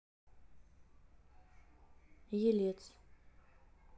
елец